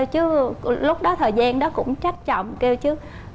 chứ lúc đó thời gian đó cũng trách chồng kêu chứ